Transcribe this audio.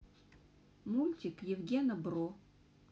мультик евгена бро